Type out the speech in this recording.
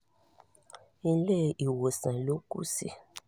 Ilé-ìwòsàn ló kú sí.